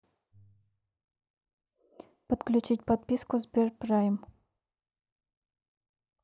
подключить подписку сберпрайм